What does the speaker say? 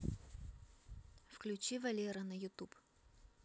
включи валера на ютуб